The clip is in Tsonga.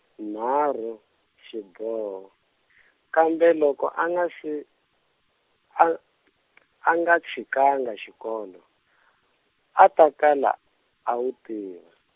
nharhu xiboho, kambe loko anga se, a a nga, chikanga, xikolo, a ta kala, a wu tiva.